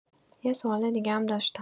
یک سوال دیگه هم داشتم